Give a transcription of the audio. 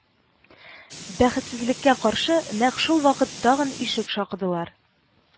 Бәхетсезлеккә каршы, нәкъ шул вакыт тагын ишек шакыдылар